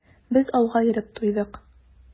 Без ауга йөреп туйдык.